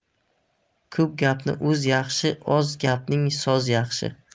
ko'p gapning ozi yaxshi oz gapning sozi yaxshi